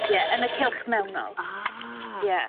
Ie yn y cylch mewnol. Ah. Ie.